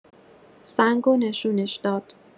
سنگو نشونش داد.